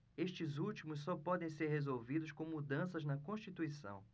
estes últimos só podem ser resolvidos com mudanças na constituição